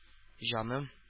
Җаным